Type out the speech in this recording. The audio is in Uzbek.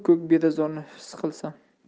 ko'k bedazorni xis qilsam